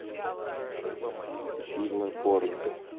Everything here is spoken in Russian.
фильмы порно